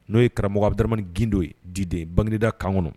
N'o ye karamɔgɔ bɛmani gdo ye di de ye bangegda kan kɔnɔ